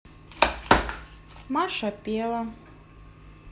маша пела